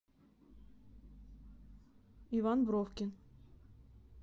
иван бровкин